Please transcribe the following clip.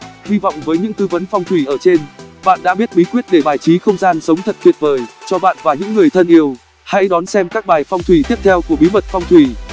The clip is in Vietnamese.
hy vọng với những tư vấn phong thủy ở trên bạn đã biết bí quyết để bài trí không gian sống thật tuyệt vời cho bạn và những người thân yêu hãy đón xem cái bài phong thủy tiếp theo của bí mật phong thủy